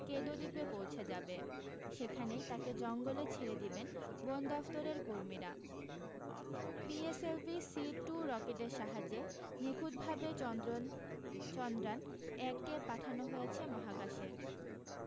কেঁদো দ্বীপে পৌঁছে যাবে সেখানেই তাকে জঙ্গলে ছেড়ে দেবেন বনদফতরের কর্মীরা পিএ সেলভি সি টু রকেটের সাহায্যে নিখুঁতভাবে চন্দ্র্ন চন্দ্র্যান এক কে পাঠানো হয়েছে মহাকাশে